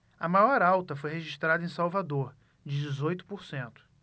a maior alta foi registrada em salvador de dezoito por cento